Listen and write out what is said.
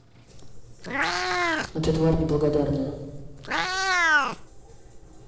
а ты тварь неблагодарная